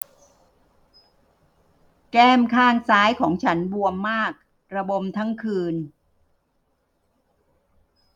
แก้มข้างซ้ายของฉันบวมมากระบมทั้งคืน